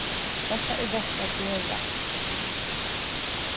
hetta er vert at gera